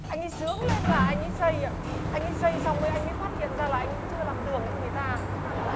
anh ấy sướng lên là anh ấy xây ạ anh ấy xây xong anh mới phát hiện ra là anh chưa làm đường cho người ta